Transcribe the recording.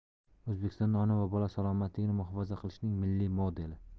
o'zbekistonda ona va bola salomatligini muhofaza qilishning milliy modeli